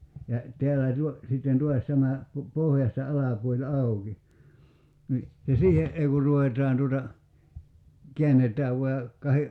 ja täällä - sitten taas tämä - pohjasta alapuoli auki niin ja siihen ei kun ruvetaan tuota käännetään vain ja kahden